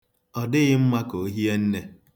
Ọ dịghị mma ka o hie nne.